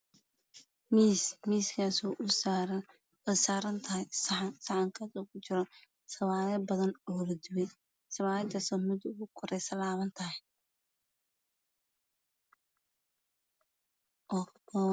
Miis miiskaasoo usan sarantahay saxan Saxankaasoo ku jiraan sabaayad badn oo la dubay sabaayadaa soo mida ogu koreeso laabatantahay